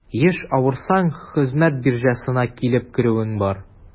Еш авырсаң, хезмәт биржасына килеп керүең бар.